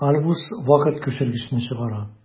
Альбус вакыт күчергечне чыгара.